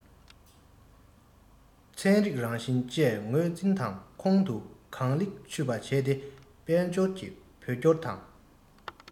ཚན རིག རང བཞིན བཅས ངོས འཛིན དང ཁོང དུ གང ལེགས ཆུད པ བྱས ཏེ དཔལ འབྱོར གྱི བོད སྐྱོར དང